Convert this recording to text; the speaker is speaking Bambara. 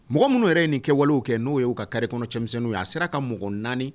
Mɔgɔ minnu yɛrɛ ye nin kɛ wale kɛ n'o y' ka kɔnɔ cɛmisɛnw ye a sera ka mɔgɔ naani